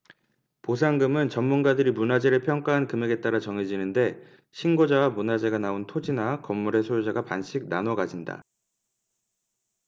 보상금은 전문가들이 문화재를 평가한 금액에 따라 정해지는데 신고자와 문화재가 나온 토지나 건물의 소유자가 반씩 나눠 가진다